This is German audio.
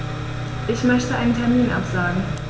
Ich möchte einen Termin absagen.